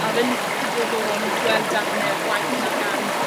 A odd e'n itha diddorol o'n i 'di gweld darne o gwaith 'na gan